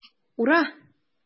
Ура!